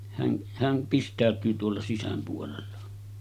hän hän pistäytyy tuolla sisän puolella